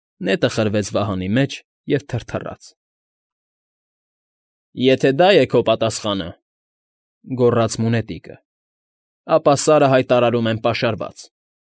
Նետը խրվեց վահանի մեջ և թրթռաց։ ֊ Եթե դա է քո պատասխանը,֊ գոռաց մունետիկը, ապա Սարը հայտարարում եմ պաշարված։